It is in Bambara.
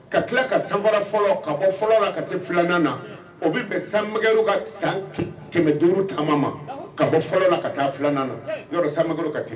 Ka tila ka sanfara fɔlɔ ka bɔ fɔlɔ la ka se 2 nan na tiɲɛ o bi bɛn sanmɛkɛru ka san k 500 taama ma ka bɔ fɔlɔ la ka taa 2 nan na tiɲɛ yɔrɔ sanmɛkɛru ka te